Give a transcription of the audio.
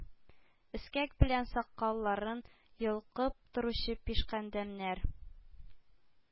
Эскәк белән сакалларын йолкып торучы пишкадәмнәр,